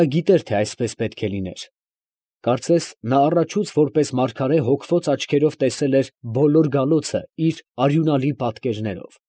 Նա գիտեր, թե այսպես պետք է լիներ, կարծես նա առաջուց որպես մարգարե հոգվոց աչքերով տեսել էր բոլոր գալոցը իր արյունալի պատկերներով։